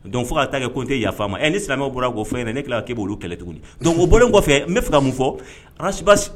Dɔnku fo ka taa kɛ ko n tɛ yafa ma ni silamɛma bɔrafɛn in na ne k''eolu kɛlɛ tuguni don bɔlen kɔfɛ n bɛ fɛ ka mun fɔ